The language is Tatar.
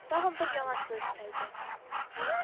Тагын бер яңасы өстәлде